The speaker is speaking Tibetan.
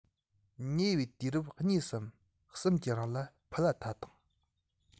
ཉེ བའི དུས རབས གཉིས སམ གསུམ གྱི རིང ལ ཕུ ལ ཐ དང